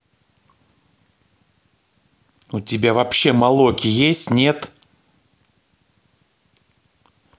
у тебя вообще молоки есть нет